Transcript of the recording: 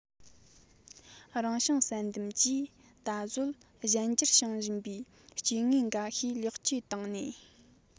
རང བྱུང བསལ འདེམས ཀྱིས ད གཟོད གཞན འགྱུར བྱུང བཞིན པའི སྐྱེ དངོས འགའ ཤས ལེགས བཅོས བཏང ནས